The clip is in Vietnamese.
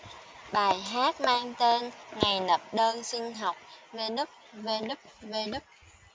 bài hát mang tên ngày nộp đơn xin học www